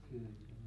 kyllä se on